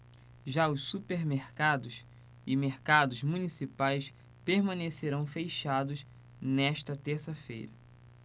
já os supermercados e mercados municipais permanecerão fechados nesta terça-feira